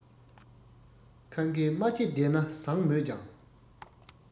ཁ མཁས སྨྲ ལྕེ བདེ ན བཟང མོད ཀྱང